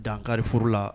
Dankarioro la